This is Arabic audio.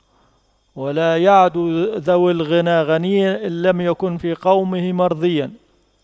ولا يعد ذو الغنى غنيا إن لم يكن في قومه مرضيا